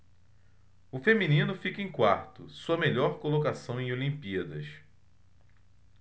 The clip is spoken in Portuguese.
o feminino fica em quarto sua melhor colocação em olimpíadas